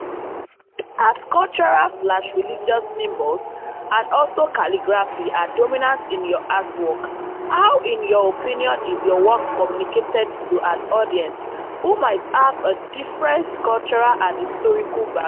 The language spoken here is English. OM: As cultural/religious symbols and also calligraphy are dominant in your artworks, how, in your opinion, is your work communicated to an audience who might have a different cultural and historical background?